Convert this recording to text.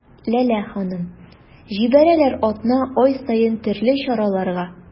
Ләлә ханым: җибәрәләр атна-ай саен төрле чараларга.